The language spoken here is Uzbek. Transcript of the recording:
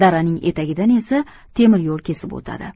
daraning etagidan esa temir yo'l kesib o'tadi